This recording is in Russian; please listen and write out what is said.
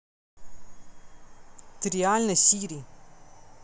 ты реально сири